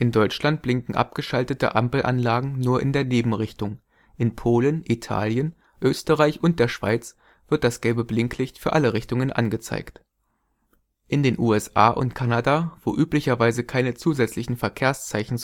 Deutschland blinken abgeschaltete Ampelanlagen nur in der Nebenrichtung, in Polen, Italien, Österreich und der Schweiz wird das gelbe Blinklicht für alle Richtungen angezeigt. In den USA und Kanada, wo üblicherweise keine zusätzlichen Verkehrszeichen